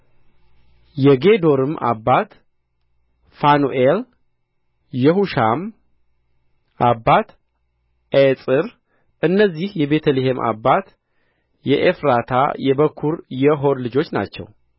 የጌዶርም አባት ፋኑኤል የሑሻም አባት ኤጽር እነዚህ የቤተ ልሔም አባት የኤፍራታ የበኵሩ የሆር ልጆች ናቸው